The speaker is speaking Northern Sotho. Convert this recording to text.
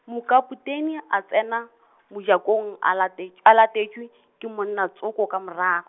mokapotene, a tsena, mojakong a latetš-, a latetšwe, ke monnatsoko ka morag-.